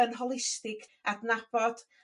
yn holistig, adnabod